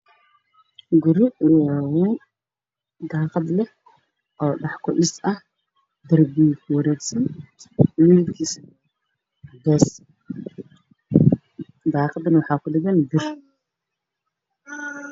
Waa guri oo hal daaqad leh oo dhex kadhis ah oo darbi kuwareegsan midabkiisu waa cadeys, daaqada waxaa kudhagan bir.